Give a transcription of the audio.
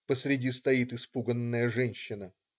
Посреди стоит испуганная женщина.